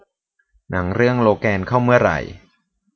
หนังเรื่องโลแกนเข้าเมื่อไหร่